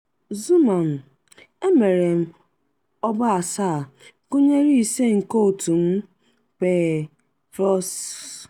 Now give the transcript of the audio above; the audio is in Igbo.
Xuman emere m ọba asaa, gụnyere ise nke otu m, Pee Froiss.